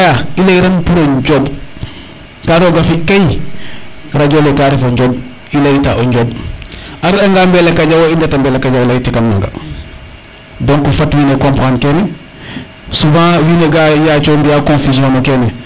kene i leya i leyi ran pour o Ndiomb ka roga fi kay radio le ka refo Ndiomb i leyta o Ndiomb a re anga Mbelakadiaw o i ndeta Mbelakadiaw leytikan maga donc fat wiin we comprendre kene souvent wiin we ga yaco mbiya confusion no kene